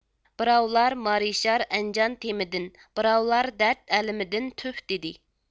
بىراۋلار مارىشار ئەنجان تېمىدىن بىراۋلار دەرد ئەلىمىدىن تۈف دېدى